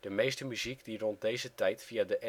meeste muziek die rond deze tijd via de